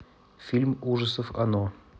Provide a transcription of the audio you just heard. фильм ужасов оно